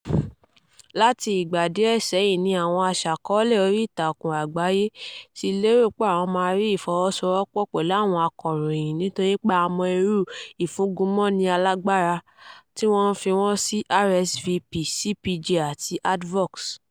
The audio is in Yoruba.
Láti ìgbà díẹ̀ sẹ́yìn ni àwọn aṣàkọ́ọ́lẹ̀ orí ìtàkùn àgbáyé ti lérò pé àwọn maa rí ìfọwọ́sowọ́pọ̀ pẹ̀lú àwọn akọ̀ròyìn nítorí pé a mọ̀ irú ìfúngunmọ́ni alágbára tí wọ́n fi wọ́n sí (RSF, CPJ, Advox).